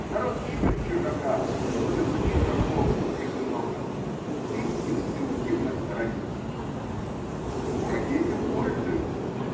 Народ чует чужака и особенно чужаков, если их много, и инстинктивно сторонится. А враги этим пользуются.